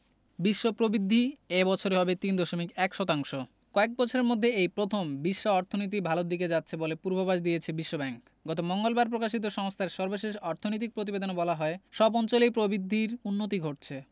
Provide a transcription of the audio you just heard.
বিশ্ব প্রবৃদ্ধি এ বছর হবে ৩.১ শতাংশ কয়েক বছরের মধ্যে এই প্রথম বিশ্ব অর্থনীতি ভালোর দিকে যাচ্ছে বলে পূর্বাভাস দিয়েছে বিশ্বব্যাংক গত মঙ্গলবার প্রকাশিত সংস্থার সর্বশেষ অর্থনৈতিক প্রতিবেদনে বলা হয় সব অঞ্চলেই প্রবৃদ্ধির উন্নতি ঘটছে